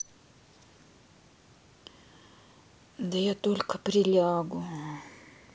да только я прилягу